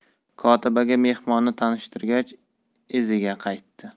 kotibaga mehmonni tanishtirgach iziga qaytdi